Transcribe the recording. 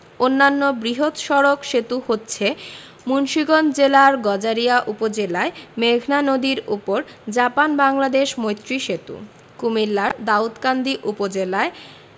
অন্যান্য বৃহৎ সড়ক সেতু হচ্ছে মুন্সিগঞ্জ জেলার গজারিয়া উপজেলায় মেঘনা নদীর উপর জাপান বাংলাদেশ মৈত্রী সেতু কুমিল্লার দাউদকান্দি উপজেলায়